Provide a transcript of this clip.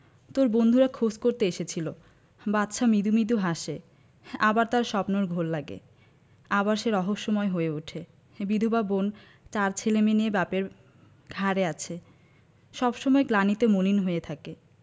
তোর বন্ধুরা খোঁজ করতে এসেছিলো বাদশা মৃদু মৃদু হাসে আবার তার স্বপ্নের ঘোর লাগে আবার সে রহস্যময় হয়ে উঠে বিধবা বোন চার ছেলেমেয়ে নিয়ে বাপের ঘাড়ে আছে সব সময় গ্লানিতে মলিন হয়ে থাকে